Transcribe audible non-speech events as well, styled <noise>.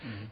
<hesitation> <hesitation>